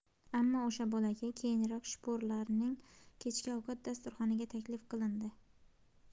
ammo o'sha bolakay keyinroq shporlar ning kechki ovqat dasturxoniga taklif qilindi